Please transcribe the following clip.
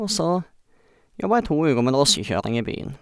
Og så jobba jeg to uker med drosjekjøring i byen.